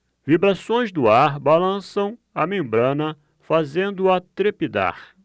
vibrações do ar balançam a membrana fazendo-a trepidar